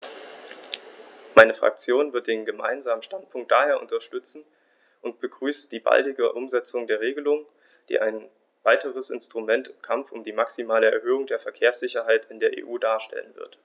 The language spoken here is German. Meine Fraktion wird den Gemeinsamen Standpunkt daher unterstützen und begrüßt die baldige Umsetzung der Regelung, die ein weiteres Instrument im Kampf um die maximale Erhöhung der Verkehrssicherheit in der EU darstellen wird.